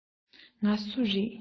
ང སུ རེད